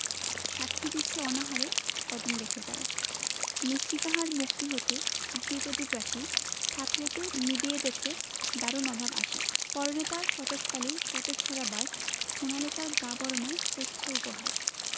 সাক্ষী দিছে অনাহারে কদিন গেছে তার মিষ্টি তাহার মুখটি হতে হাসির প্রদীপ রাশি থাপড়েতে নিবিয়ে দেছে দারুণ অভাব আসি পরনে তার শতেক তালির শতেক ছেঁড়া বাস সোনালি তার গা বরণের করছে উপহাস